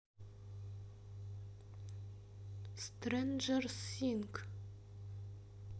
стренджер сингс